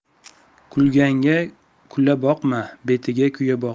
kulganga kula boqma betiga kuya yoqma